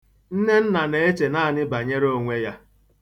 Nnenna na-eche naanị banyere onwe ya.